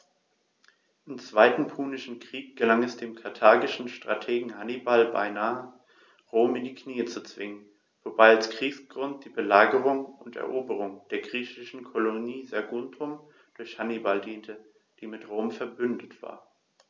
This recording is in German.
Im Zweiten Punischen Krieg gelang es dem karthagischen Strategen Hannibal beinahe, Rom in die Knie zu zwingen, wobei als Kriegsgrund die Belagerung und Eroberung der griechischen Kolonie Saguntum durch Hannibal diente, die mit Rom „verbündet“ war.